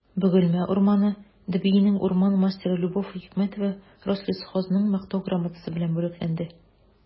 «бөгелмә урманы» дбинең урман мастеры любовь хикмәтова рослесхозның мактау грамотасы белән бүләкләнде